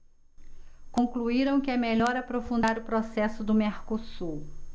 concluíram que é melhor aprofundar o processo do mercosul